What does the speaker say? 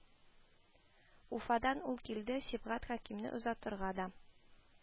Уфадан ул килде, Сибгат Хәкимне озатырга да